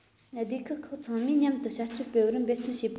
སྡེ ཁག ཁག ཚང མས མཉམ དུ བྱ སྤྱོད སྤེལ བར འབད བརྩོན བྱེད པ